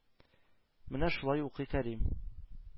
Менә шулай укый Кәрим,